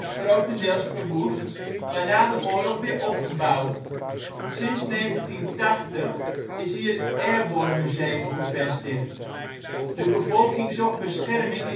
grotendeels verwoest, maar na de oorlog weer opgebouwd. Sinds 1980 is hier het Airborne Museum gevestigd. De bevolking zocht bescherming